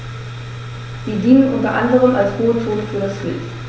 Sie dienen unter anderem als Ruhezonen für das Wild.